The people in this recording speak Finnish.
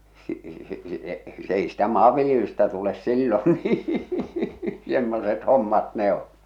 --- se ei sitä maanviljelystä tule silloin niin semmoiset hommat ne on